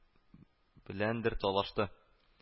Беләндер талашты